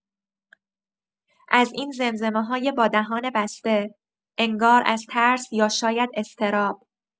از این زمزمه‌های با دهان بسته، انگار از ترس یا شاید اضطراب.